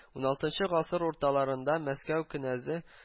Уналтынчы гасыр урталарында мәскәү көнәзе